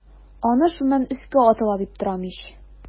Аны шуннан өскә атыла дип торам ич.